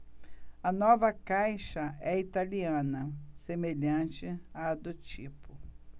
a nova caixa é italiana semelhante à do tipo